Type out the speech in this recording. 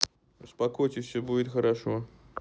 успокойтесь все будет хорошо